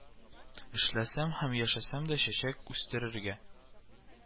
Эшләсәм һәм яшәсәм дә чәчәк үстерергә